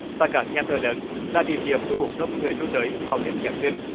tại các nhà thờ lớn là địa điểm thu hút đông người lui tới vào đêm giáng sinh